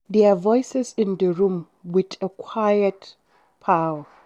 Their voices filled the room with a quiet power.